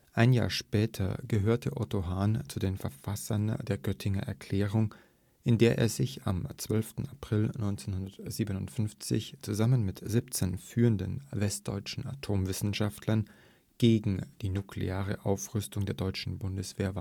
Ein Jahr später gehörte Otto Hahn zu den Verfassern der Göttinger Erklärung, in der er sich am 12. April 1957 zusammen mit 17 führenden westdeutschen Atomwissenschaftlern gegen die nukleare Aufrüstung der deutschen Bundeswehr